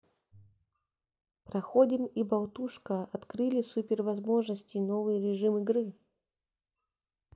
проходим и болтушка открыли супервозможностей новый режим игры